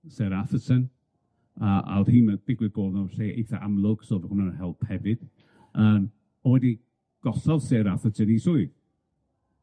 Sarah Atherton, a a o'dd hi mew- digwydd bo' mewn lle itha amlwg, so o'dd hwnna'n yn help hefyd yym a wedyn gollodd Sarah Atherton 'i swydd.